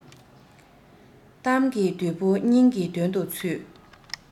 གཏམ གྱི བདུད པོ སྙིང གི དོན དུ ཚུད